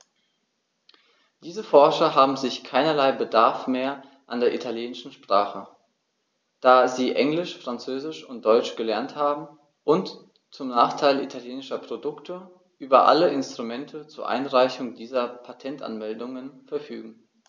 Diese Forscher haben sicher keinerlei Bedarf mehr an der italienischen Sprache, da sie Englisch, Französisch und Deutsch gelernt haben und, zum Nachteil italienischer Produkte, über alle Instrumente zur Einreichung dieser Patentanmeldungen verfügen.